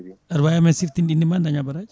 aɗa wawi amen ciftinde indema daaña baraji